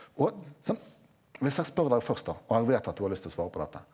og sant hvis jeg spør deg først da og jeg vet at du har lyst til å svare på dette.